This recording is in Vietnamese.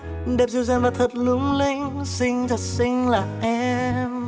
đẹp dịu dàng và thật lung linh xinh thật xinh là em